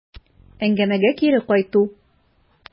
Әңгәмәгә кире кайту.